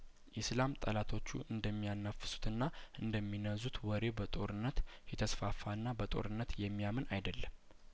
ኢስላም ጠላቶቹ እንደሚያናፍሱትና እንደሚነዙት ወሬ በጦርነት የተስፋፋና በጦርነት የሚያምን አይደለም